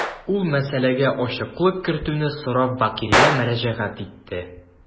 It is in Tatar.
Ул мәсьәләгә ачыклык кертүне сорап вәкилгә мөрәҗәгать итте.